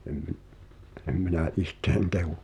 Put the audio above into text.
en - en minä itseäni kehu